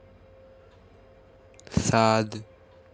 у чер